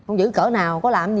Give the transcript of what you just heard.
hung dữ cỡ nào có làm